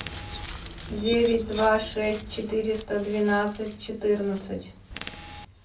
девять два шесть четыреста двенадцать четырнадцать